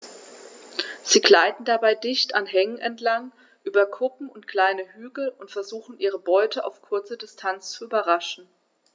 Sie gleiten dabei dicht an Hängen entlang, über Kuppen und kleine Hügel und versuchen ihre Beute auf kurze Distanz zu überraschen.